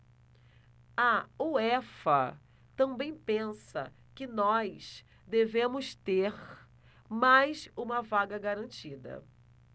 a uefa também pensa que nós devemos ter mais uma vaga garantida